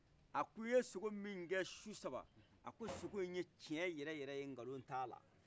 a k'iye sigo min kɛ su saba a ko siko ye tiyen yɛrɛ yɛrɛ ye kalon tala